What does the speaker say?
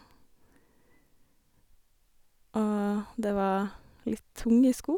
Og det var litt tunge sko.